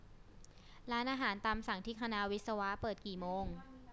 ร้านอาหารตามสั่งที่คณะวิศวะเปิดกี่โมง